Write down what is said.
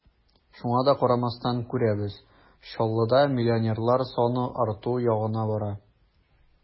Шуңа да карамастан, күрәбез: Чаллыда миллионерлар саны арту ягына бара.